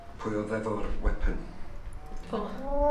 Pwy o'dd efo'r weapon? Fo.